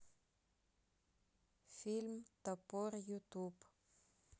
фильм топор ютуб